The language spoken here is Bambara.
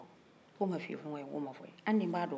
hali ni n'b'a dɔn pariseke n b'a fɛ k'a ɲɛdɔn hali bi